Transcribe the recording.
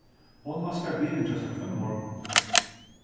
hon vaskar bilin hjá sær hvønn morgun